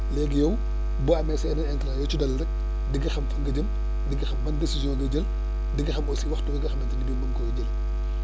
léegi yow boo amee sa yeneen intrant yoo ci dolli rek di nga xam fan nga jëm di nga xam ban décision ngay jël di nga xam aussi waxtu wi nga xamante ni bi mun koy jël